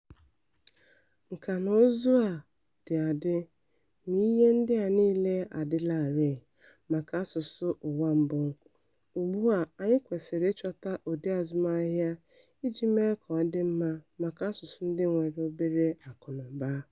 Nkànaụzụ a dị adị ma ihe ndị a niile adịlarịị maka asụsụ ụwa mbụ, ugbua anyị kwesịrị ịchọta ụdị azụmahịa iji mee ka ọ dị mma maka asụsụ ndị nwere obere akụnaụba.